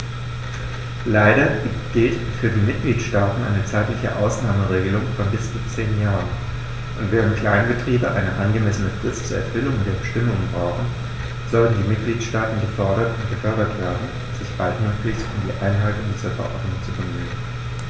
Leider gilt für die Mitgliedstaaten eine zeitliche Ausnahmeregelung von bis zu zehn Jahren, und, während Kleinbetriebe eine angemessene Frist zur Erfüllung der Bestimmungen brauchen, sollten die Mitgliedstaaten gefordert und gefördert werden, sich baldmöglichst um die Einhaltung dieser Verordnung zu bemühen.